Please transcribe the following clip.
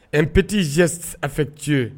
Ɛ ppte z a fɛci ye